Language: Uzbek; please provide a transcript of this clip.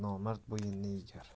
nomard bo'ynini egar